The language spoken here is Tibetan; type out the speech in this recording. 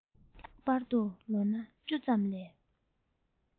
ལྷག པར དུ ལོ ན བཅུ ཙམ ལས